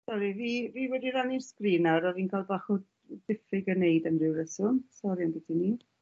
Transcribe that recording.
Sori fi fi wedi rannu sgrin nawr o' fi'n ca'l bach o diffyg yn neud am ryw reswm. Sori ambyti 'ny.